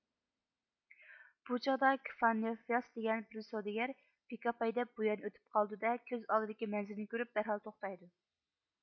بۇ چاغدا كىفانىفياس دېگەن بىر سودىگەر پىكاپ ھەيدەپ بۇ يەردىن ئۆتۈپ قالىدۇ دە كۆز ئالدىدىكى مەنزىرىنى كۆرۈپ دەرھال توختايدۇ